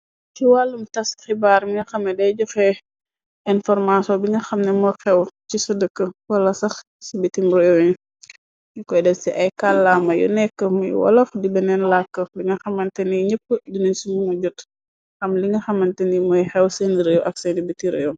Ci wàllum tas xibaar minga xame dey joxe informasion. Bi nga xamne mooy xew ci së dëkk wala sax ci bitimroewin. Nyu koy des ci ay kàllaama yu nekk muy walox. Di beneen làkk binga xamante ni ñëpp duni sumu nga jot xam. Linga xamante ni mooy xew seen réew ak seeni biti réu.